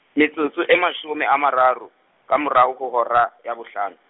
metsotso e mashome a mararo, ka mora ho hora, ya bohlano.